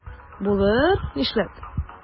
Булыр, нишләп?